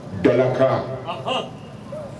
Dalakan